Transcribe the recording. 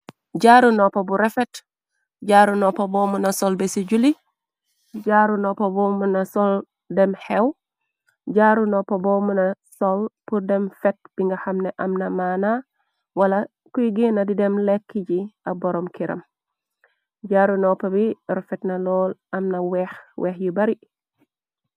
Jaaru noppa bu refet, jaaru noppa boo mu na sol bi ci juli, jaaru noppa boo muna sol dem xew, jaaru noppa boo muna sol pur dem fet bi nga xamne am na maana, wala kuy genna di dem lekk ji ak boroom kiram. Jaaru noppa bi refetna lool, am na weex weex yu bari.